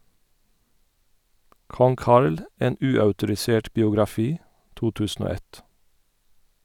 "Kong Carl, en uautorisert biografi", 2001.